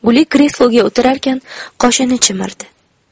guli kresloga o'tirarkan qoshini chimirdi